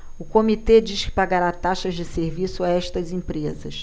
o comitê diz que pagará taxas de serviço a estas empresas